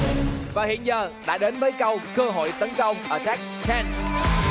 và hiện giờ đã đến với câu cơ hội tấn công ở thách thên